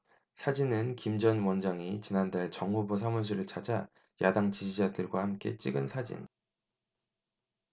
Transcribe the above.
사진은 김 전 원장이 지난달 정 후보 사무실을 찾아 야당 지지자들과 함께 찍은 사진